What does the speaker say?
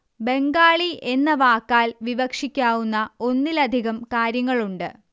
ബംഗാളി എന്ന വാക്കാൽ വിവക്ഷിക്കാവുന്ന ഒന്നിലധികം കാര്യങ്ങളുണ്ട്